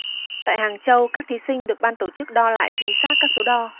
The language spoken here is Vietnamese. tại hàng châu các thí sinh được ban tổ chức đo lại chính xác các số đo